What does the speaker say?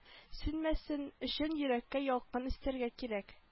Сүнмәсен өчен йөрәккә ялкын өстәргә кирәк